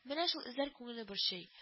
Менә шул эзләр күңелне борчый